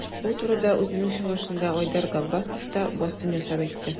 Бу турыда үзенең чыгышында Айдар Габбасов та басым ясап әйтте.